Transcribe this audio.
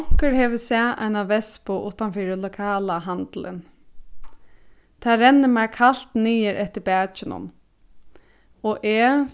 onkur hevur sæð eina vespu uttan fyri lokala handilin tað rennur mær kalt niður eftir bakinum og eg